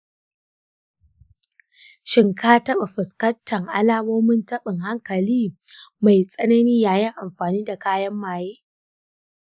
shin ka taɓa fuskantar alamomin tabin hankali mai tsanani yayin amfani da kayan maye?